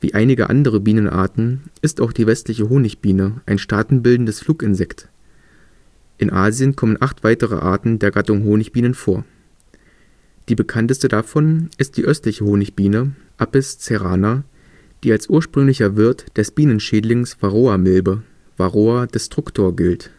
einige andere Bienenarten ist auch die Westliche Honigbiene ein staatenbildendes Fluginsekt. In Asien kommen acht weitere Arten der Gattung Honigbienen vor. Die bekannteste davon ist die Östliche Honigbiene (Apis cerana), die als ursprünglicher Wirt des Bienenschädlings Varroamilbe (Varroa destructor) gilt